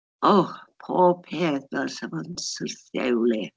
O, pob peth fel sa fo'n syrthio i'w le.